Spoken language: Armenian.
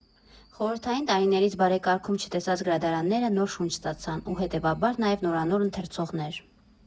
Խորհրդային տարիներից բարեկարգում չտեսած գրադարանները նոր շունչ ստացան, ու, հետևաբար, նաև նորանոր ընթերցողներ։